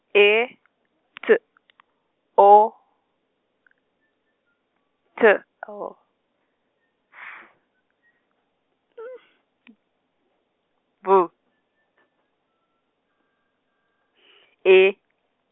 E, T, O, T, S, B, E.